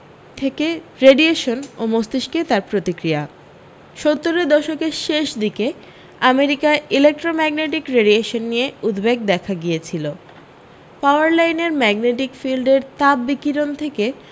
থেকে রেডিয়েশন ও মস্তিষ্কে তার প্রতিক্রিয়া সত্তরের দশকের শেষ দিকে আমেরিকায় ইলেকট্রোম্যাগনেটিক রেডিয়েশন নিয়ে উদ্বেগ দেখা দিয়েছিল পাওয়ার লাইনের ম্যাগনেটিক ফিল্ডের তাপবিকিরণ থেকে